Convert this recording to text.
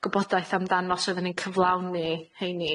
gwybodaeth amdan os oddan ni'n cyflawni 'heini.